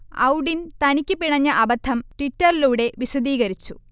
ഔഡിൻ തനിക്ക് പിണഞ്ഞ അബദ്ധം ട്വിറ്ററിലൂടെ വിശദീകരിച്ചു